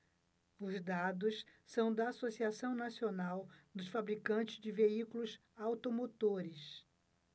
os dados são da anfavea associação nacional dos fabricantes de veículos automotores